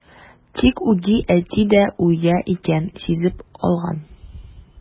Тик үги әти дә уяу икән, сизеп алган.